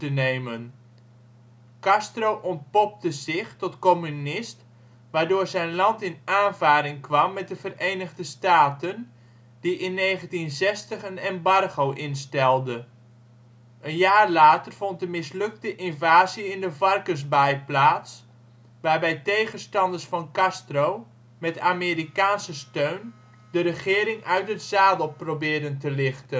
nemen. Castro ontpopte zich tot communist waardoor zijn land in aanvaring kwam met de Verenigde Staten, die in 1960 een embargo instelde. Een jaar later vond de mislukte invasie in de Varkensbaai plaats, waarbij tegenstanders van Castro met Amerikaanse steun de regering uit het zadel probeerden te lichten